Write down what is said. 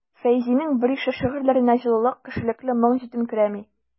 Фәйзинең берише шигырьләренә җылылык, кешелекле моң җитенкерәми.